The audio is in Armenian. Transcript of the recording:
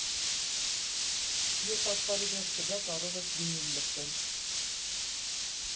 Երբ աշխարհի վերջը գա, կարող ես վինիլ լսել։